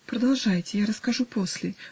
Продолжайте; я расскажу после.